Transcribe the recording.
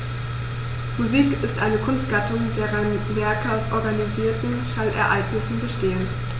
Musik ist eine Kunstgattung, deren Werke aus organisierten Schallereignissen bestehen.